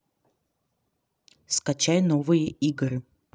скачай новые игры